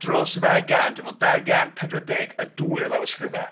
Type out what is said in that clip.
..dros dau gant dwi'n meddwl dau gant pedwar deg a dwy o lawysgrifau.